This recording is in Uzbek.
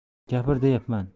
gapir deyapman